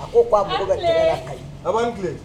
A ko ko ayi a tile